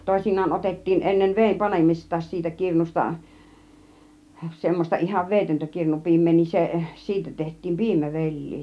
toisinaan otettiin ennen veden panemistakin siitä kirnusta semmoista ihan vedetöntä kirnupiimää niin se siitä tehtiin piimävelliä